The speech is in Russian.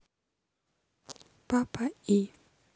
папа и